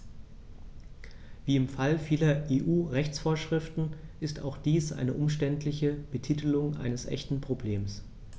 Wie im Fall vieler EU-Rechtsvorschriften ist auch dies eine umständliche Betitelung eines echten Problems.